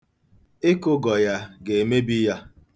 Ịkụgọ ya ga-emebi ya.